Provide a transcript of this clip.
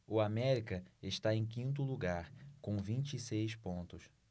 o américa está em quinto lugar com vinte e seis pontos